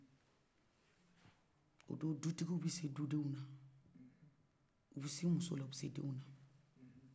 o do dutigiw bɛ se dudenw na u bɛ s'u musow la u bɛ se denw na